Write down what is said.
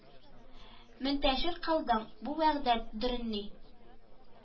Мөнтәшир кылдың бу вәхдәт дөррени